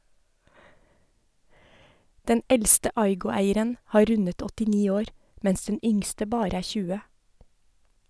Den eldste Aygo-eieren har rundet åttini år, mens den yngste bare er tjue.